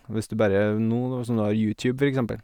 hvis du berre no Nå som du har YouTube, for eksempel.